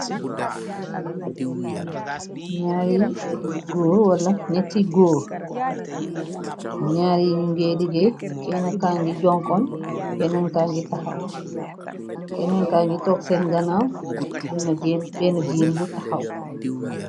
Naari goór wala neetti góor ñaari ñyu gee liggéey kennnka ngi jonkon kennenka ngi taxaw kennenka ngi tog seen ganaaw amna jeg benna jigéen bu taxaw.